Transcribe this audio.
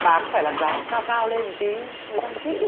bà cứ phải làm dáng cao cao lên một tí người ta mới thích